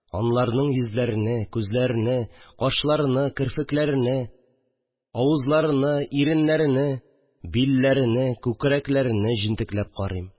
Анларның йөзләрене, күзләрене, кашларыны, керфекләрене, авызларыны, иреннәрене, билләрене, күкрәкләрене җентекләп карыйм